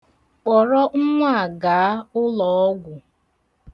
Kpọrọ nwa a gaa ụlọọgwụ.